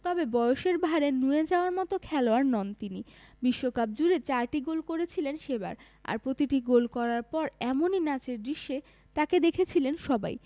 তবে বয়সের ভাঁড়ে নুয়ে যাওয়ার মতো খেলোয়াড় নন তিনি বিশ্বকাপজুড়ে চারটি গোল করেছিলেন সেবার আর প্রতিটি গোল করার পর এমনই নাচের দৃশ্যে তাঁকে দেখেছিলেন সবাই